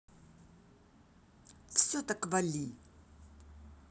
все так вали